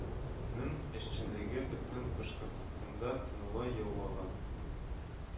Ның эшчәнлеге бөтен башкортстанда таныла яулаган